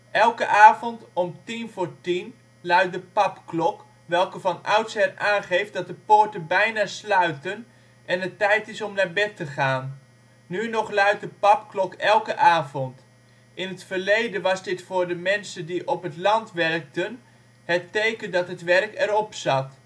Elke avond om 21:50 luidt de papklok, welke van oudsher aangeeft dat de poorten bijna sluiten, en het tijd is om naar bed te gaan. Nu nog luidt de papklok elke avond. In ' t verleden was dit voor de mensen die op het land werkten het teken dat het werk erop zat